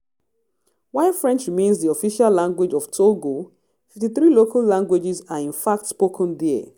While French remains the official language of Togo, 53 local languages are in fact spoken there.